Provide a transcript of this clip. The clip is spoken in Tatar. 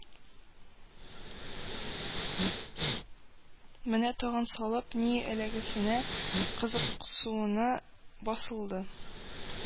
Мәне тагын салып, ни эләгәсенә кызыксынуы басылды